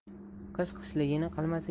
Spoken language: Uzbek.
qish qishligini qilmasa